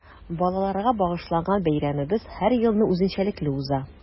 Балаларга багышланган бәйрәмебез һәр елны үзенчәлекле уза.